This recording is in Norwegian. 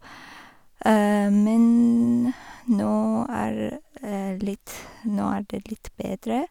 Men nå er litt nå er det litt bedre.